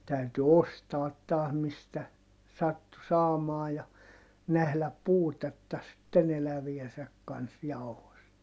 täytyi ostaa taas mistä sattui saamaan ja nähdä puutetta sitten eläviensä kanssa jauhoista